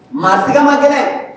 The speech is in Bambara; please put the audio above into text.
Maa tigɛman gɛlɛn.